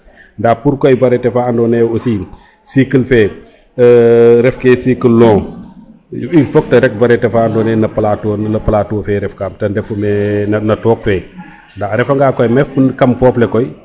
nda koy pour variété fa ando naye aussi cycle fe ref ke cycle long il faut te ref vaieté faa ando naye no plateau fe ref ka ten refu me naɓna toog fe nda a refa nga kam foof le koy